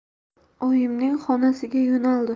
oyimning xonasiga yo'naldi